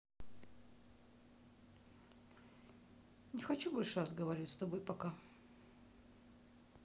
не хочу больше разговаривать с тобой пока